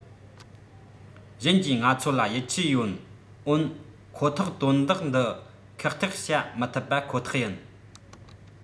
གཞན གྱིས ང ཚོ ལ ཡིད ཆེས ཡོད འོན ཁོ ཐག དོན དག འདི ཁག ཐེག བྱ མི ཐུབ པ ཁོ ཐག ཡིན